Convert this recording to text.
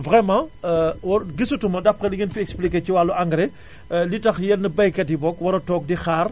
vraiment war gisatuma d' après li ngeen fi expliqué ci wàllu engrais li tax yenn baykat yi book war a toog di xaar